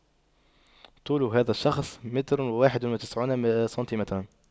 طول هذا الشخص متر وواحد وتسعون سنتيمترا